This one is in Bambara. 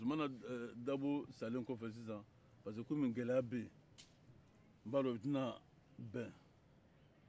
zumana dabo salen kɔfɛ sisan parce que komi sisan gɛlɛya bɛ yen nb'a dɔn u tɛna bɛn